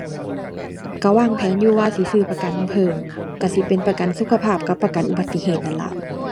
ก็วางแผนอยู่ว่าสิซื้อประกันเพิ่ม ก็สิเป็นประกันสุขภาพกับประกันอุบัติเหตุนั่นล่ะ